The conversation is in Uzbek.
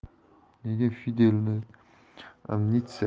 nega fidelni amnistiya asosida